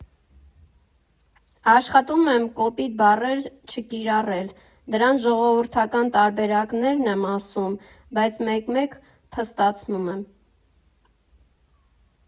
Աշխատում եմ կոպիտ բառեր չկիրառել, դրանց ժողովրդական տարբերակներն եմ ասում, բայց մեկ֊մեկ փստացնում եմ։